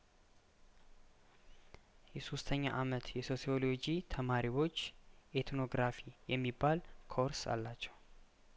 የሶስተኛ አመት የሶሲዮ ሎጂ ተማሪዎች ኤትኖ ግራፊ የሚባል ኮርስ አላቸው